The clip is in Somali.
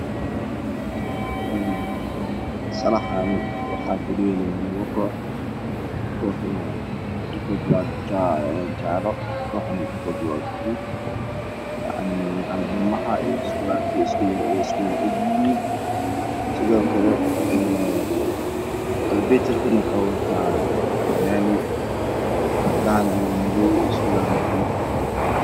Salaxaan waxaa ku dheelayo labo koox kaax dharkooda waa jaale kooxna waa guduud yacnii buumahaviyo surwaalka way isku yara egyihiin sidoo kale een albiitarka wuxuu wataa fanaanad cadaan iyo madaow iyo surwaal meadow ah